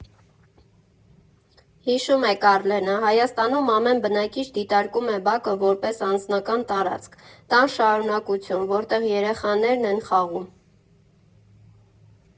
֊ հիշում է Կառլենը, ֊ Հայաստանում ամեն բնակիչ դիտարկում է բակը որպես անձնական տարածք, տան շարունակություն, որտեղ երեխաներն են խաղում։